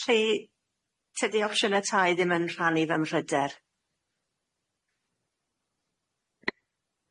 Lle tydi opsiyne tai ddim yn rhannu fy mhryder?